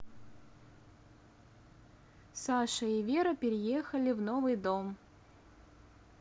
саша и вера переехали в новый дом